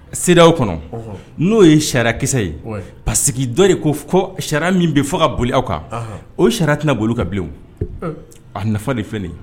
C D E A O kɔnɔ , ɔhɔ, n'o ye sariyakisɛsɛ ye, parce que dɔ in ko fɔ sariya min bɛ Yen, fɔ k'a boli aw kan, o sariya tɛna boli aw kan bilen , a nafa de filɛ nin ye